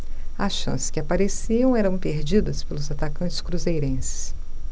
as chances que apareciam eram perdidas pelos atacantes cruzeirenses